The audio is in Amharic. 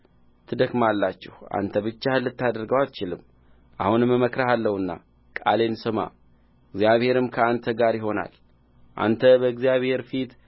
ትደክማላችሁ አንተ ብቻህን ልታደርገው አትችልም አሁንም እመክርሃለሁና ቃሌን ስማ እግዚአብሔርም ከአንተ ጋር ይሆናል አንተ በእግዚአብሔር ፊት